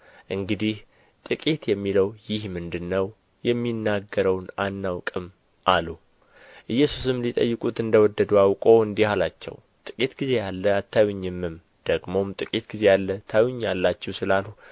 እንግዲህ ጥቂት የሚለው ይህ ምንድር ነው የሚናገረውን አናውቅም አሉ ኢየሱስም ሊጠይቁት እንደ ወደዱ አውቆ እንዲህ አላቸው ጥቂት ጊዜ አለ አታዩኝምም ደግሞም ጥቂት ጊዜ አለ ታዩኛላችሁ ስላልሁ